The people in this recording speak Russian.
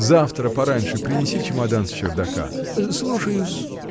— Завтра пораньше принеси чемодан с чердака! — Слушаю-с.